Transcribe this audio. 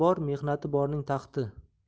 bor mehnati borning taxti